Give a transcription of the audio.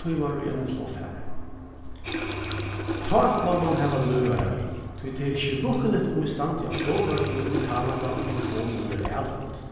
tímar í einum flogfari tá má mann hava løðara við tí tað er ikki lukkuligt um eg standi á flogvøllinum í kanada og telefonin er avlødd